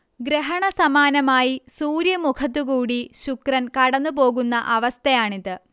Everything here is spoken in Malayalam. ഗ്രഹണസമാനമായി സൂര്യമുഖത്തുകൂടി ശുക്രൻ കടന്നുപോകുന്ന അവസ്ഥയാണിത്